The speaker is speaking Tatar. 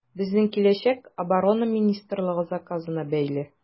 Безнең киләчәк Оборона министрлыгы заказына бәйле.